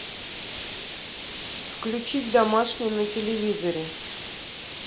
включить домашний на телевизоре